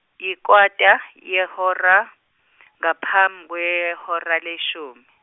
yikwata yehora bapham- kwehora leshum-.